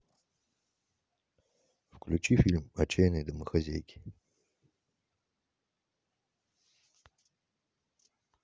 включи фильм отчаянные домохозяйки